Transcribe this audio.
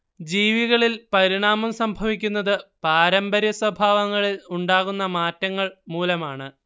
ജീവികളിൽ പരിണാമം സംഭവിക്കുന്നത് പാരമ്പര്യസ്വഭാവങ്ങളിൽ ഉണ്ടാകുന്ന മാറ്റങ്ങൾ മൂലമാണ്